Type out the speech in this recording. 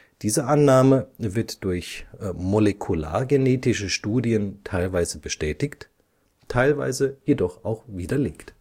Diese Annahme wird durch molekulargenetische Studien teilweise bestätigt, teilweise jedoch auch widerlegt